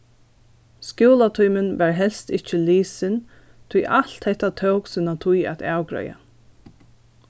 skúlatímin varð helst ikki lisin tí alt hetta tók sína tíð at avgreiða